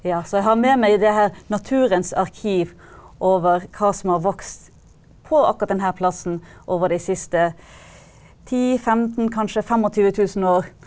ja så jeg har med meg det her naturens arkiv over hva som har vokst på akkurat den her plassen over de siste ti 15 kanskje 25000 år.